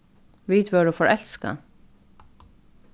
vit vóru forelskað